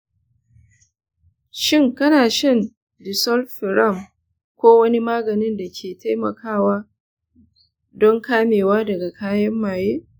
shin kana shan disulfiram ko wani maganin da ke taimakawa don kamewa daga kayan maye?